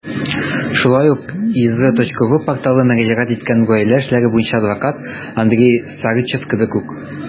Шулай ук iz.ru порталы мөрәҗәгать иткән гаилә эшләре буенча адвокат Андрей Сарычев кебек үк.